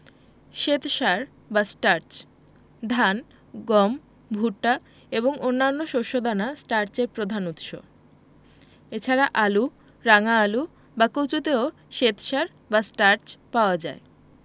শ্বেতসার বা স্টার্চ ধান গম ভুট্টা এবং অন্যান্য শস্য দানা স্টার্চের প্রধান উৎস এছাড়া আলু রাঙা আলু বা কচুতেও শ্বেতসার বা স্টার্চ পাওয়া যায়